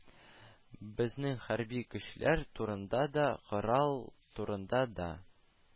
Безнең хәрби көчләр турында да, корал турында да